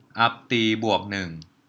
อัพตีบวกหนึ่ง